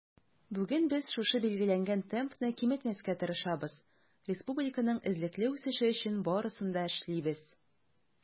Бүген без шушы билгеләнгән темпны киметмәскә тырышабыз, республиканың эзлекле үсеше өчен барысын да эшлибез.